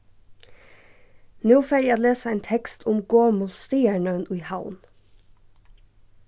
nú fari eg at lesa ein tekst um gomul staðarnøvn í havn